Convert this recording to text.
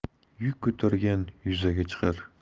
yuk ko'targan yuzaga chiqar